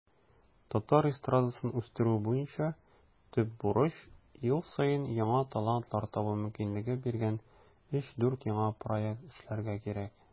Татар эстрадасын үстерү буенча төп бурыч - ел саен яңа талантлар табу мөмкинлеге биргән 3-4 яңа проект эшләргә кирәк.